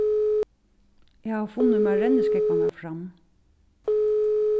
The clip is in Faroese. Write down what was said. eg havi funnið mær renniskógvarnar fram